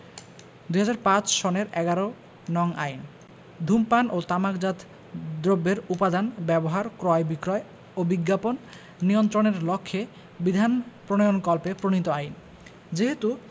২০০৫ সনের ১১ নং আইন ধূমপান ও তামাকজাত দ্রব্যের উপাদান ব্যবহার ক্রয় বিক্রয় ও বিজ্ঞাপন নিয়ন্ত্রণের লক্ষ্যে বিধান প্রণয়নকল্পে প্রণীত আইন যেহেতু